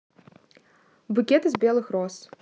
букет из белых роз